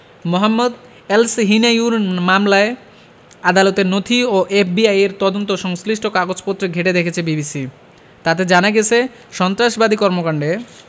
মোহাম্মদ এলসহিনাইউর মামলায় আদালতের নথি ও এফবিআইয়ের তদন্ত সংশ্লিষ্ট কাগজপত্র ঘেঁটে দেখেছে বিবিসি তাতে জানা গেছে সন্ত্রাসবাদী কর্মকাণ্ডে